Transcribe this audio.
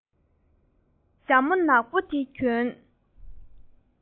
རྗེས ལུས ཀྱི ཞྭ མོ ནག པོ དེ གྱོན